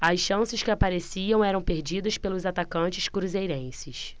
as chances que apareciam eram perdidas pelos atacantes cruzeirenses